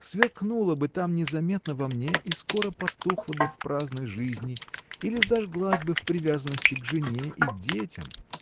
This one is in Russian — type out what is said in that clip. сверкнула бы там незаметно во мне и скоро потухла бы в праздной жизни или зажглась бы в привязанности к жене и детям.